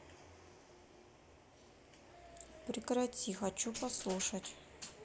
прекрати хочу послушать